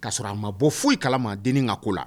Kaa sɔrɔ a ma bɔ foyi kala maa dennin ka ko la